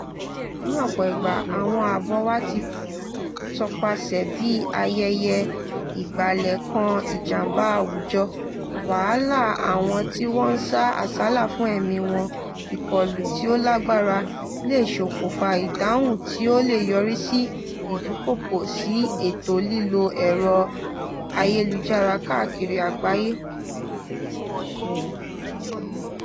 Ní ọ̀pọ̀ ìgbà, àwọn àbọ̀ wa ti tọpasẹ̀ bí ayẹyẹ ìgbálẹ̀ kan-ìjàmbá àwùjọ, wàhálà àwọn tí wọ́n ń sá àsálà fún ẹ̀mí wọn, ìkọlù tí ó lágbára - lè ṣokùnfà ìdáhùn tí ó lè yọrí sí ìdúkokò sí ẹ̀tọ́ lílo ẹ̀rọ ayélujára káàkiri àgbáyé.